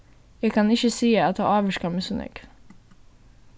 eg kann ikki siga at tað ávirkar meg so nógv